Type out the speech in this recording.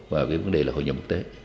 và về vấn đề là hội nhập quốc tế